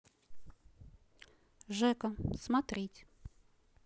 жека смотреть